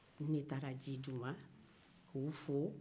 ne taara ji di u ma k'u fo